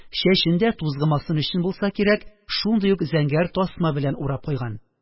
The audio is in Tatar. Чәчен дә, тузгымасын өчен булса кирәк, шундый ук зәңгәр тасма белән урап куйган